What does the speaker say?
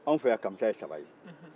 anw fɛ yan kamisa ye saba ye